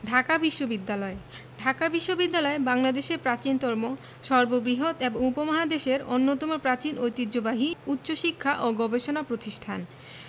ঢাকা বিশ্ববিদ্যালয় ঢাকা বিশ্ববিদ্যালয় বাংলাদেশের প্রাচীনতম সর্ববৃহৎ এবং উপমহাদেশের অন্যতম প্রাচীন ঐতিহ্যবাহী উচ্চশিক্ষা ও গবেষণা প্রতিষ্ঠান